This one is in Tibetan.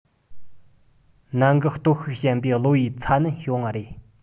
ནད འགོག སྟོབས ཤུགས ཞན པས གློ བའི ཚ ནད བྱུང བ རེད